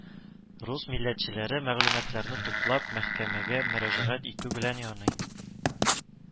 Рус милләтчеләре мәгълүматларны туплап мәхкәмәгә мөрәҗәгать итү белән яный